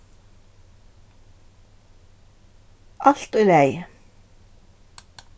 alt í lagi